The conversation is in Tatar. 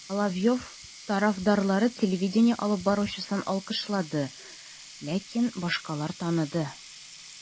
Соловьев тарафдарлары телевидение алып баручысын алкышлады, ләкин башкалар таныды: